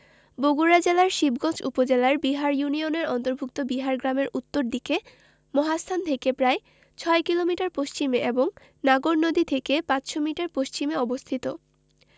বগুড়া জেলার শিবগঞ্জ উপজেলার বিহার ইউনিয়নের অন্তর্ভুক্ত বিহার গ্রামের উত্তর দিকে মহাস্থান থেকে প্রায় ৬ কিলোমিটার পশ্চিমে এবং নাগর নদী থেকে ৫০০ মিটার পশ্চিমে অবস্থিত